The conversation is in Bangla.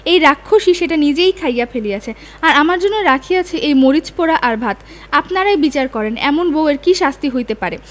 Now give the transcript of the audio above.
এই রাক্ষসী সেটা নিজেই খাইয়া ফেলিয়াছে আর আমার জন্য রাখিয়াছে এই মরিচ পোড়া আর ভাত আপনারাই বিচার করেন এমন বউ এর কি শাস্তি হইতে পারে